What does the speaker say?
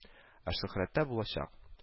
Ә Шөһрәттә булачак